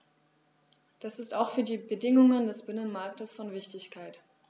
Das ist auch für die Bedingungen des Binnenmarktes von Wichtigkeit.